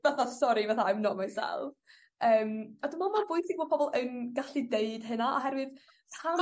fatha sori fatha I'm not myself. Yym a dwi meddwl ma' bwysig bo' pobol yn gallu dweud hynna oherwydd tan...